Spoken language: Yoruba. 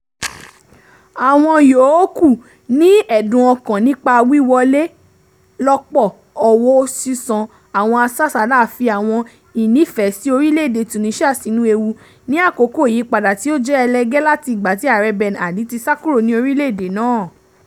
Àwọn yòókù, ní ẹ̀dùn ọkàn nípa wíwọlé lọ́pọ̀ owó sísan àwọn asásàálà fi àwọn ìnífẹ̀ẹ́sí orílẹ̀ èdè Tunisia sínú ewu ní àkókò ìyípadà tí ó jẹ́ ẹlẹgẹ́ láti ìgbà tí Ààrẹ Ben Ali ti sá kúrò ní orílẹ̀ èdè náà.